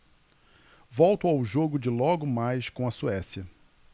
volto ao jogo de logo mais com a suécia